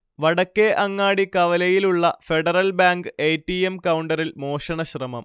വടക്കേ അങ്ങാടി കവലയിലുള്ള Federal Bank A. T. M കൗണ്ടറിൽ മോഷണശ്രമം